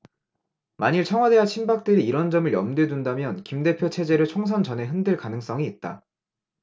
만일 청와대와 친박들이 이런 점을 염두에 둔다면 김 대표 체제를 총선 전에 흔들 가능성이 있다